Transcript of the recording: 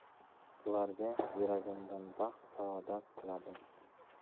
ularga yuragimdan baxt saodat tiladim